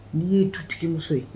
N'i ye dutigimuso ye